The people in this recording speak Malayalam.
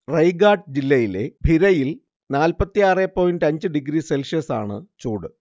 റയ്ഗാഡ് ജില്ലയിലെ ഭിരയിൽ നാല്‍പ്പത്തിയാറെ പോയിന്‍റ് അഞ്ച് ഡിഗ്രി സെൽഷ്യസാണ് ചൂട്